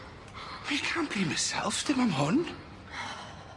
You can't blame yourself dim am hwn.